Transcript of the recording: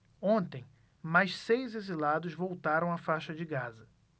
ontem mais seis exilados voltaram à faixa de gaza